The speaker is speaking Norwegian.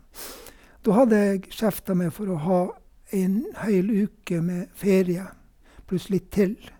Da hadde jeg skjefta meg for å ha en hel uke med ferie pluss litt til.